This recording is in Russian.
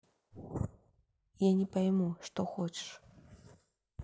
я не пойму что хочешь